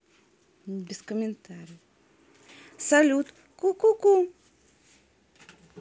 салют ку ку ку